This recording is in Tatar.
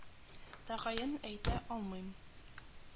Тәгаен әйтә алмыйм